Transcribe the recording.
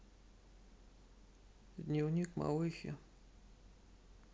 дневник малыхи